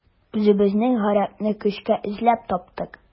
Үзебезнең гарәпне көчкә эзләп таптык.